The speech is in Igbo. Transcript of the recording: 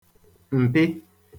m̀pị